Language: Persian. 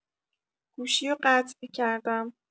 گوشیو قطع کردم.